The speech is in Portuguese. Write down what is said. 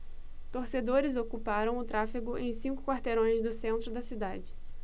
torcedores ocuparam o tráfego em cinco quarteirões do centro da cidade